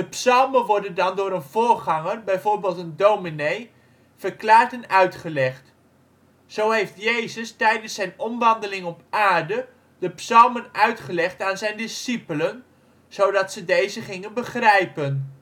psalmen worden dan door een voorganger (bijvoorbeeld een dominee) verklaard en uitgelegd. Zo heeft Jezus tijdens zijn omwandeling op aarde de psalmen uitgelegd aan zijn discipelen, zodat ze deze gingen begrijpen